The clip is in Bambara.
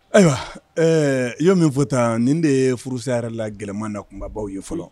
Ayiwa ɛɛ i y'o min fɔ tan nin de ye furusa yɛrɛ la gɛlɛman na kunbabaw ye fɔlɔ